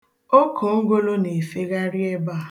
Okongolo na-efegharị ebe a.